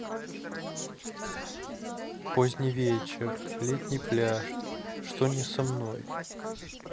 поздний вечер летний пляж что не со мной